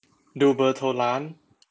ดูเบอร์โทรร้าน